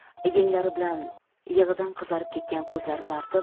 oyim yenglari bilan yig'idan qizarib ketgan ko'zlarini artib